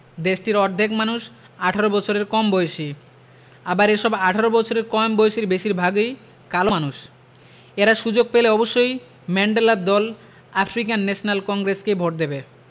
দেশটির অর্ধেক মানুষ ১৮ বছরের কম বয়সী আবার এসব ১৮ বছরের কম বয়সীর বেশির ভাগই কালো মানুষ এরা সুযোগ পেলে অবশ্যই ম্যান্ডেলার দল আফ্রিকান ন্যাশনাল কংগ্রেসকেই ভোট দেবে